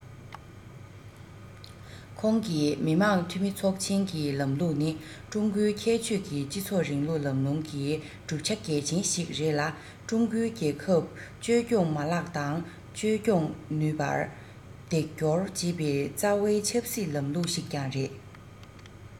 ཁོང གིས མི དམངས འཐུས མི ཚོགས ཆེན གྱི ལམ ལུགས ནི ཀྲུང གོའི ཁྱད ཆོས ཀྱི སྤྱི ཚོགས རིང ལུགས ལམ ལུགས ཀྱི གྲུབ ཆ གལ ཆེན ཞིག རེད ལ ཀྲུང གོའི རྒྱལ ཁབ བཅོས སྐྱོང མ ལག དང བཅོས སྐྱོང ནུས པར འདེགས སྐྱོར བྱེད པའི རྩ བའི ཆབ སྲིད ལམ ལུགས ཤིག ཀྱང རེད